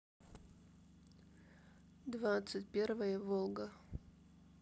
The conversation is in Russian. двадцать первая волга